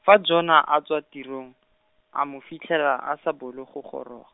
fa Jona a tswa tirong, a mo fitlhela a sa bolo go gorog-.